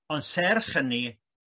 ond serch hynny